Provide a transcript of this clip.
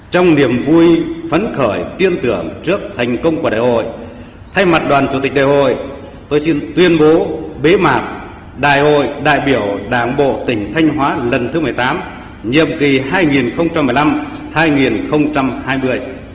trong niềm vui phấn khởi tin tưởng trước thành công của đại hội thay mặt đoàn chủ tịch đại hội tôi xin tuyên bố bế mạc đại hội đại biểu đảng bộ tỉnh thanh hóa lần thứ mười tám nhiệm kỳ hai nghìn không trăm mười lăm hai nghìn không trăm hai mươi